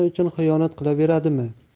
uchun xiyonat qilaveradimi